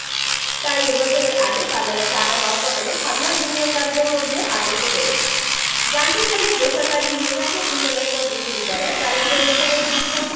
তাই নির্বাচনের আগে বাজারের টানা দরপতনে সাধারণ বিনিয়োগকারীদের মধ্যে আতঙ্ক বেড়েছে জানতে চাইলে বেসরকারি ইউনাইটেড ইন্টারন্যাশনাল বিশ্ববিদ্যালয়ের বাণিজ্য অনুষদের শিক্ষক